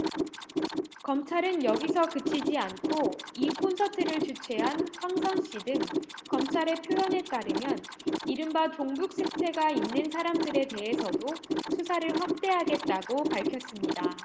검찰은 여기서 그치지 않고 이 콘서트를 주최한 황선 씨 등 검찰의 표현에 따르면 이른바 종북 색채가 있는 사람들에 대해서도 수사를 확대하겠다고 밝혔습니다